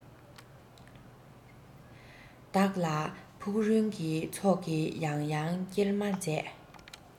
བདག ལ ཕུག རོན གྱི ཚོགས ཀྱིས ཡང ཡང སྐྱེལ མ མཛད